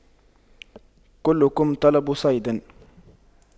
كلكم طلب صيد